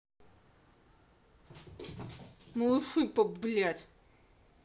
малыши по блядь